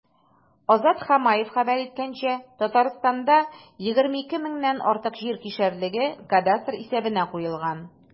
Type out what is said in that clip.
Азат Хамаев хәбәр иткәнчә, Татарстанда 22 меңнән артык җир кишәрлеге кадастр исәбенә куелган.